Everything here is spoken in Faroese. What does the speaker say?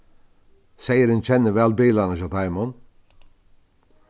seyðurin kennir væl bilarnar hjá teimum